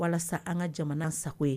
Walasa an ka jamana sago ye